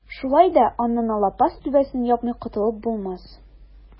Шулай да аннан лапас түбәсен япмый котылып булмас.